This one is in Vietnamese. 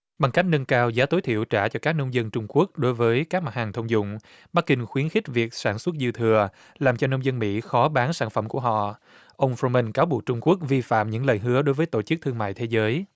bằng cách nâng cao giá tối thiểu trả cho các nông dân trung quốc đối với các mặt hàng thông dụng bắc kinh khuyến khích việc sản xuất dư thừa làm cho nông dân mỹ khó bán sản phẩm của họ ông phô mưn cáo buộc trung quốc vi phạm những lời hứa đối với tổ chức thương mại thế giới